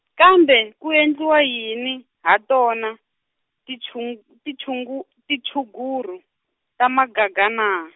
kambe ku endliwa yini, ha tona, tinchun- tinchungu- tinchuguru, ta magaga na?